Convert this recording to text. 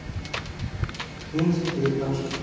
ниндзя черепашки